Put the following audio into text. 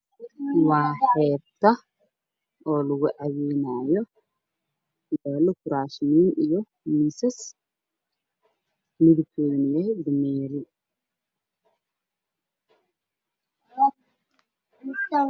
Waa maqaayad lagu caweynayo waxay leedahay miisas iyo kuraas qurux badan waxaana laga helaa cunto nooc walba ah